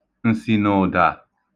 Ǹsìnụ̀ụ̀dà